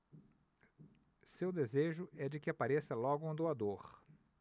seu desejo é de que apareça logo um doador